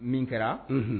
Min kɛra